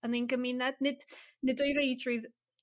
yn ein gymuned nid nid o'i reidrwydd